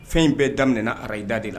Fɛn bɛɛ daminɛminɛna a ararahi da de la